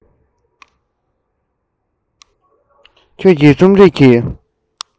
ཁྱོད ཀྱིས རྩོམ རིག གི